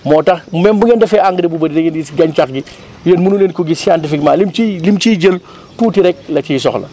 moo tax même bu ngeen defee engrais bu bëri da ngeen di gis gàncax gi yéen mënu leen ko gis scientifiquement lim ciy lim ciy jël tuuti rek la ciy soxla